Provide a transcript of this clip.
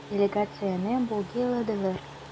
Делегацияне бүлгәләделәр.